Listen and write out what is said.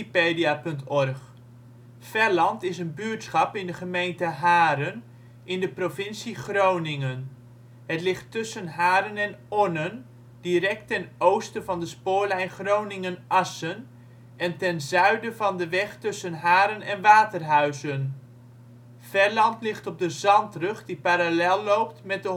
10 ' NB, 6 38 ' OL Felland Plaats in Nederland Situering Provincie Groningen Gemeente Haren Coördinaten 53° 10′ NB, 6° 38′ OL Portaal Nederland Felland is een buurtschap in de gemeente Haren in de provincie Groningen. Het ligt tussen Haren en Onnen, direct ten oosten van de spoorlijn Groningen - Assen en ten zuiden van de weg tussen Haren en Waterhuizen. Felland ligt op de zandrug die parallel loopt met de Hondsrug